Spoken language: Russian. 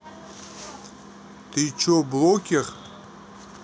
ты че блогер